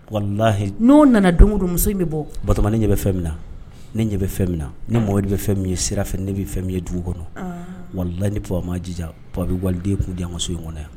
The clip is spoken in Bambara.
Walahi n'o nana doŋo don muso in bɛ bɔ Batoma ne ɲɛ bɛ fɛn min na ne ɲɛ bɛ fɛn min na ne Momɛdi bɛ fɛn min ye sira fɛ ne bi fɛn min ye dugu kɔnɔ walahi ni papa m'a jija papa be waliden kun di anw ŋa so in kɔnɔ yan